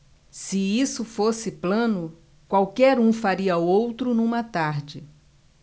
se isso fosse plano qualquer um faria outro numa tarde